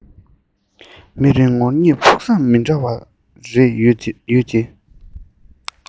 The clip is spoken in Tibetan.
མི རེ ངོ རེར ཕུགས བསམ མི འདྲ བ རེ ཡོད དེ